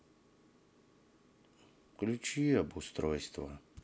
включи обустройство